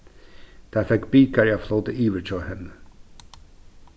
tað fekk bikarið at flóta yvir hjá henni